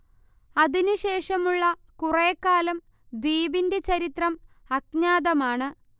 അതിനു ശേഷമുള്ള കുറെ കാലം ദ്വീപിന്റെ ചരിത്രം അജ്ഞാതമാണ്